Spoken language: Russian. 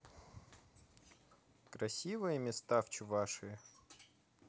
красивые места в чувашии